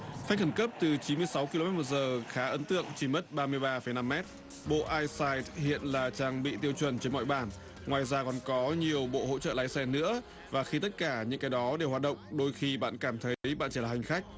phanh khẩn cấp từ chín mươi sáu ki lô mét một giờ khá ấn tượng chỉ mất ba mươi ba phẩy năm mét bộ ai sai hiện là trang bị tiêu chuẩn trên mọi bản ngoài ra còn có nhiều bộ hỗ trợ lái xe nữa và khi tất cả những cái đó để hoạt động đôi khi bạn cảm thấy bạn chỉ là hành khách